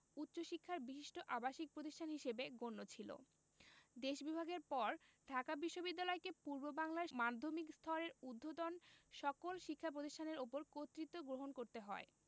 উচ্চশিক্ষার বিশিষ্ট আবাসিক প্রতিষ্ঠান হিসেবে গণ্য ছিল দেশ বিভাগের পর ঢাকা বিশ্ববিদ্যালয়কে পূর্ববাংলার মাধ্যমিক স্তরের ঊধ্বর্তন সকল শিক্ষা প্রতিষ্ঠানের ওপর কর্তৃত্ব গ্রহণ করতে হয়